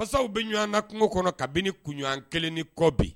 Masaw bɛ ɲɔgɔnwan na kungo kɔnɔ kabini kunɲɔgɔnwan kelen kɔbi